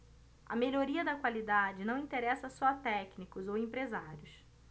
a melhoria da qualidade não interessa só a técnicos ou empresários